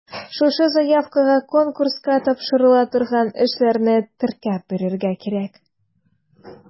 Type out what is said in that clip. Шушы заявкага конкурска тапшырыла торган эшләрне теркәп бирергә кирәк.